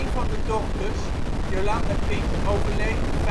van de dochters, Yolanda King, overleed